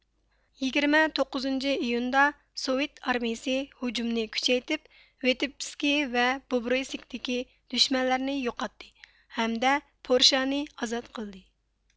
يىگىرمە توققۇزىنچى ئىيۇندا سوۋېت ئارمىيىسى ھۇجۇمنى كۈچەيتىپ ۋىتېبسكى ۋە بۇبرۇيسكدىكى دۈشمەنلەرنى يوقاتتى ھەمدە پورشانى ئازاد قىلدى